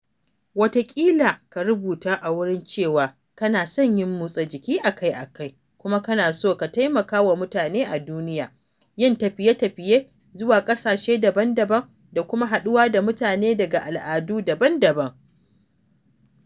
Wataƙila ka rubuta a wurin cewa kana son yin motsa jiki akai-akai, kuma kana so ka taimakawa mutane a duniya, yin tafiye-tafiye zuwa ƙasashe daban-daban, da kuma haɗuwa da mutane daga al’adu daban-daban.